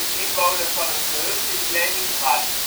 inwoner van het gehucht is Lenie ' t Hart